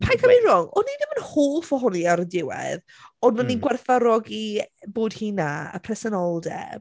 Paid cymryd fi'n wrong. O'n i ddim yn hoff ohoni ar y diwedd, ond o'n i'n... hmm ...gwerthfawrogi bod hi 'na. Y presenoldeb.